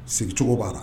Sigicogo b'a la